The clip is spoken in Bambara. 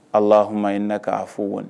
Ala ha inina kaa fɔɔni